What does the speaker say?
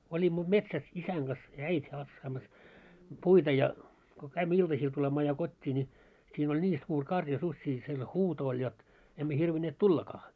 olimme metsässä isän kanssa ja äiti hakkaamassa puita ja kun kävimme iltasilla tulemaan ja kotiin niin siinä oli niin suuri karja susia siellä huuto oli jotta emme hirvinneet tullakaan